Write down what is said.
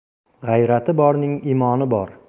g'ayrati borning imoni bor